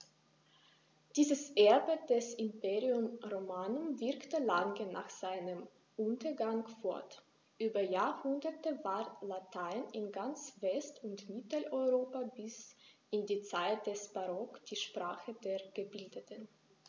Dieses Erbe des Imperium Romanum wirkte lange nach seinem Untergang fort: Über Jahrhunderte war Latein in ganz West- und Mitteleuropa bis in die Zeit des Barock die Sprache der Gebildeten.